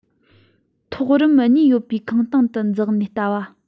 ཐོག ཉིས རིམ ཡོད པའི ཁང སྟེང དུ འཛེགས ནས ལྟ བ